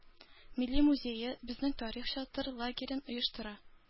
Милли музее Безнең тарих чатыр лагерен оештыра.